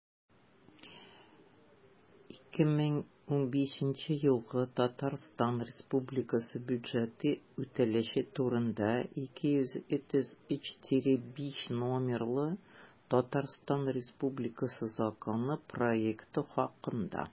«2015 елгы татарстан республикасы бюджеты үтәлеше турында» 233-5 номерлы татарстан республикасы законы проекты хакында